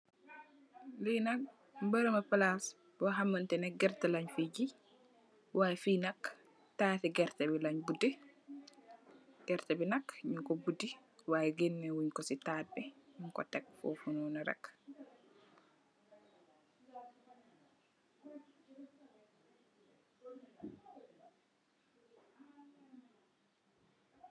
Lii nak, bërëbu palaas boo xamante ne, gérte lañ fee gi, waaye fii nak, taati, gérte bi lañ buddi, gérte bi nak, ñung ko buddi, waaye gënëy wuñ ko si taat bi, ñung ko tek foo Fu noon rek,